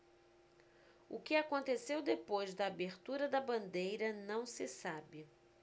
o que aconteceu depois da abertura da bandeira não se sabe